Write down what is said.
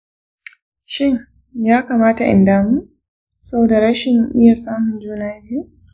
shin ya kamata in damu saboda rashin iya samun juna biyu?